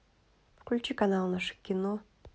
включи канал наше кино